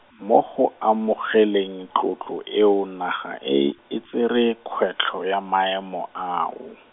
mo go amogeleng tlotlo eo naga e, e tsere kgwetlho ya maemo ao.